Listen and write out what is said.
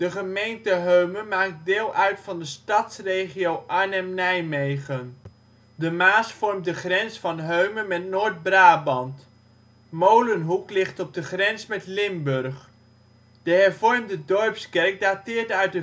gemeente Heumen maakt deel uit van de Stadsregio Arnhem-Nijmegen. De Maas vormt de grens van Heumen met Noord-Brabant. Molenhoek ligt op de grens met Limburg. De hervormde dorpskerk dateert uit